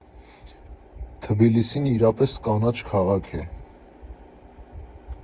Թբիլիսին իրապես կանաչ քաղաք է։